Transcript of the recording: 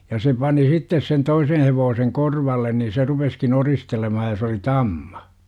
ja se pani sitten sen toisen - hevosen korvalle niin se rupesikin oristelemaan ja se oli tamma